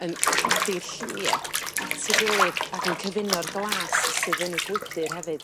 yn codi'r lliwie at 'i gilydd ac yn cyfuno'r glas sydd yn y gwydyr hefyd.